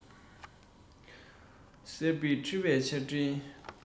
བསེར བུས འཁྱེར བའི ཆར སྤྲིན